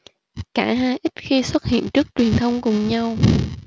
cả hai ít khi xuất hiện trước truyền thông cùng nhau